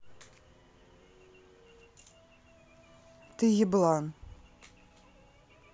ты еблан